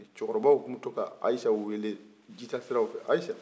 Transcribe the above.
cɛkɔrɔbaw tun bi to ka ayisa ji ta siraw fɛ ayisa